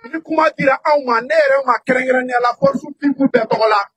Ni kuma jirara anw ma ne yɛrɛ ma kɛrɛnkɛrɛn ɲɛ la ko bi kun bɛn mɔgɔ la